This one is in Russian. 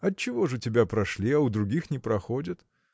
Отчего ж у тебя прошли, а у других не проходят?